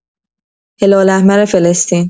هلال‌احمر فلسطین